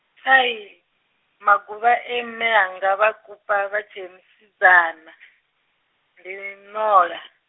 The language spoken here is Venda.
thai maguvha e mme anga vha kupa vha tshe musidzana , ndi ṋola.